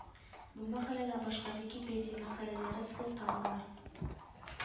Бу мәкаләгә башка Википедия мәкаләләре сылтамыйлар